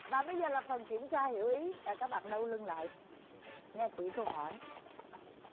và bây giờ là phần kiểm tra hiểu ý ờ các bạn đau lưng lại nghe kỹ câu hỏi